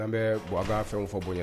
An bɛ gada fɛnw fɔ bonyay la